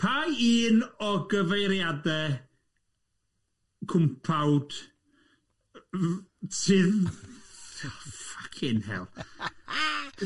Pa un o gyfeiriadau cwmpawd sydd, ffycin hel?